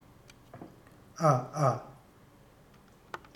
ཨ ཨ